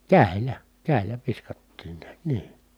kädellä kädellä viskattiin näet niin